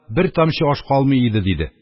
Бер тамчы аш калмый иде, – диде.